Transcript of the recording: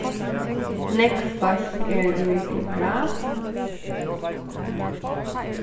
nógv fólk er í biograf